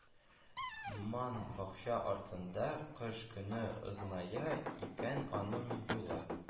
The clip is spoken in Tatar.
Ман бакча артында, кыш көне озыная икән аның юлы